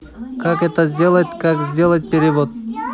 как это сделать как сделать перевод